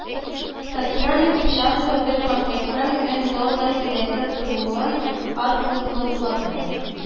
Татьяна Кипчатова бер комплектның мең доллар тирәсе торуын ассызыклады